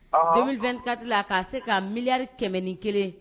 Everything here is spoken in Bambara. Doneletati la k'a se ka miliri kɛmɛ ni kelen